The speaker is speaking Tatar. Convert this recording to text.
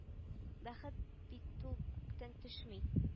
Бәхет бит ул күктән төшми